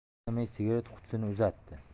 indamay sigaret qutisini uzatdi